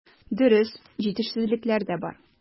Дөрес, җитешсезлекләр дә бар.